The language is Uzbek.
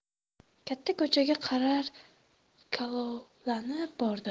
katta ko'chaga qadar kalovlanib bordi